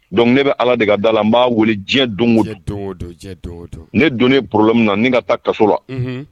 Dɔnku ne bɛ ala de ka da la n b'a wuli diɲɛ don ne don ne bla min na ne ka taa kasora